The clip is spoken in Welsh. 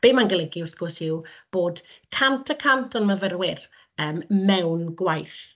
Be mae'n golygu wrth gwrs yw bod cant y cant o'n myfyrwyr yym mewn gwaith,